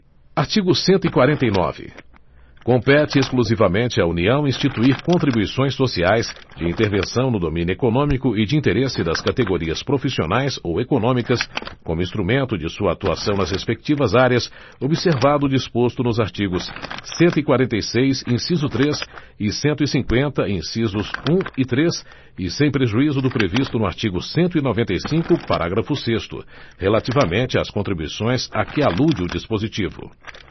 artigo cento e quarenta e nove compete exclusivamente à união instituir contribuições sociais de intervenção no domínio econômico e de interesse das categorias profissionais ou econômicas como instrumento de sua atuação nas respectivas áreas observado o disposto nos artigos cento e quarenta e seis inciso três e cento e cinquenta incisos um e três e sem prejuízo do previsto no artigo cento e noventa e cinco parágrafo sexto relativamente às contribuições a que alude o dispositivo